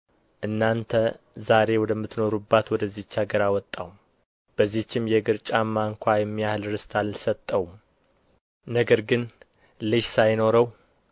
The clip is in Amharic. እናንተ ዛሬ ወደምትኖሩባት ወደዚች አገር አወጣው በዚችም የእግር ጫማ ስንኳ የሚያህል ርስት አልሰጠውም ነገር ግን ልጅ ሳይኖረው